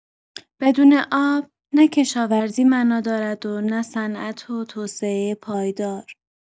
بدون آب، نه کشاورزی معنا دارد و نه صنعت و توسعه پایدار.